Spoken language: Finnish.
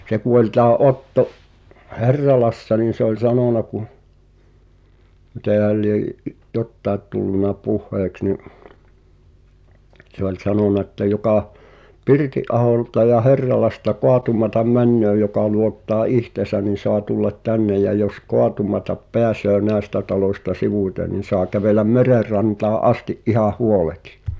se kun oli tämä Otto Herralassa niin se oli sanonut kun mitenhän lie jotakin tullut puheeksi niin se oli sanonut että joka Pirttiaholta ja Herralasta koettamaan menee joka luottaa itseensä niin saa tulla tänne ja jos kaatumatta pääsee näistä taloista sivuitse niin saa kävellä meren rantaan asti ihan huoleti